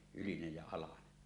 ylinen ja alanen